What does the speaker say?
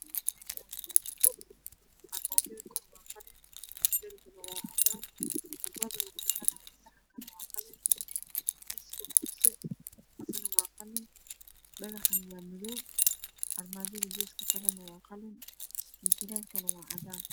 Meshani waa jiko armajada kor waa qalin derbigan waa cadan tubada lagu dhaqanayo iyo saxanka waa qalin miska hoose isagana waa qalin dhagaxana waa madoow armajada geeska kalena waa qalin mutuleelkana waa cadan